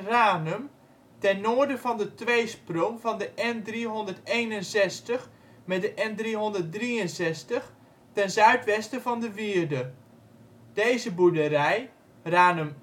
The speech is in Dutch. Ranum ' ten noorden van de tweesprong van de N361 met de N363 ten zuidwesten van de wierde. Deze boerderij (Ranum